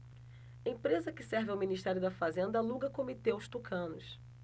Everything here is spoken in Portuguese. empresa que serve ao ministério da fazenda aluga comitê aos tucanos